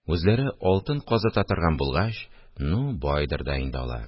Үзләре алтын казыта торган булгач, ну байдыр да инде алар